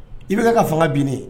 I bɛna ne ka fanga binnen